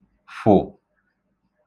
fụ̀